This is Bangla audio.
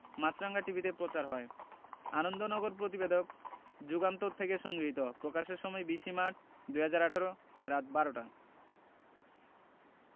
মাছরাঙা টিভিতে প্রচার হয় আনন্দনগর প্রতিবেদক যুগান্তর থেকে সংগৃহীত প্রকাশের সময় ২০ সে মার্চ ২০১৮ রাত ১২:০০ টা